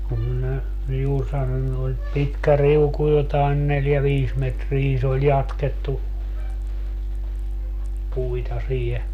kun minä juuri sanonut että pitkä riuku jotakin neljä viisi metriä se oli jatkettu puita siihen